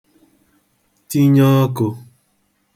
tinye ọkụ̄